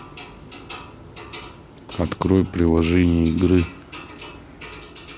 открой приложение игры